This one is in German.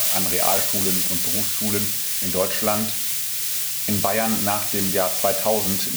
an Realschulen und Berufsschulen in Deutschland, in Bayern nach dem Jahr 2000